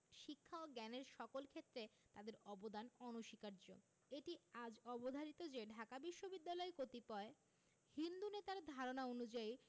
শিক্ষা ও জ্ঞানের সকল ক্ষেত্রে তাদের অবদান অনস্বীকার্য এটিআজ অবধারিত যে ঢাকা বিশ্ববিদ্যালয় কতিপয় হিন্দু নেতার ধারণা অনুযায়ী